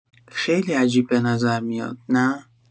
خیلی عجیب به نظر میاد، نه؟